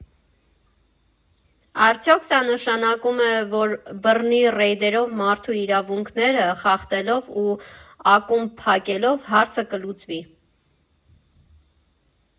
Արդյո՞ք սա նշանակում է, որ բռնի ռեյդերով, մարդու իրավունքները խախտելով ու ակումբ փակելով հարցը կլուծվի։